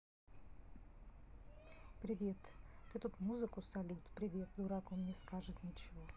привет ты тут музыку салют привет дурак он не скажет ничего